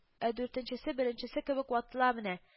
Ә дүртенчесе беренчесе кебек ватыла менә